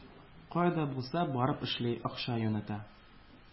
Кая да булса барып эшли, акча юнәтә.